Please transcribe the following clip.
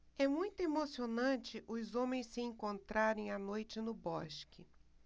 é muito emocionante os homens se encontrarem à noite no bosque